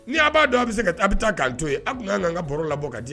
Ni a b'a dɔn a bɛ se ka a bɛ taa kan to ye a tun' kan ka baro la bɔ ka di